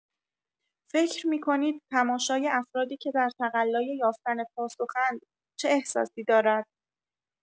فکر می‌کنید تماشای افرادی که در تقلای یافتن پاسخ‌اند چه احساسی دارد؟